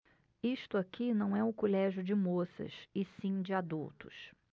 isto aqui não é um colégio de moças e sim de adultos